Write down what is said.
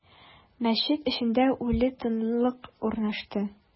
Мәчет эчендә үле тынлык урнашты.